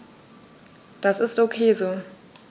Das ist ok so.